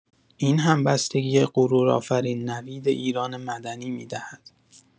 این همبستگی غرورآفرین، نوید ایران مدنی می‌دهد